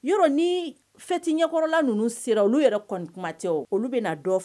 Yɔrɔ ni fiti ɲɛkɔrɔla ninnu sera olu yɛrɛ kɔnitɛ olu bɛ dɔ fɛ